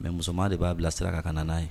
Mais musoman de b'a bila sira kan kana n'a ye